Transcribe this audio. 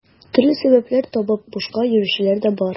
Төрле сәбәпләр табып бушка йөрүчеләр дә бар.